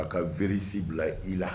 A ka virus bila i la